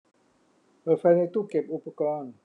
เปิดไฟในตู้เก็บอุปกรณ์